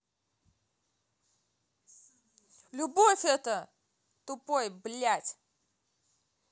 любовь это тупой блядь